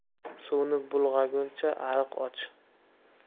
suvni bog'laguncha ariq och